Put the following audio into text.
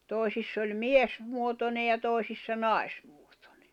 toisissa oli - miesmuotoinen ja toisissa naismuotoinen